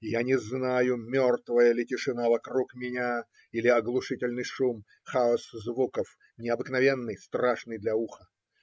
И я не знаю, мертвая ли тишина вокруг меня или оглушительный шум, хаос звуков, необыкновенный, страшный для уха.